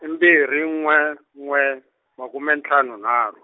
i mbirhi n'we n'we, makume ntlhanu nharu.